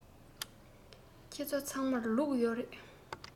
ཁྱེད ཚོ ཚང མར ལུག ཡོད རེད